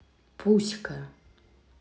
пуська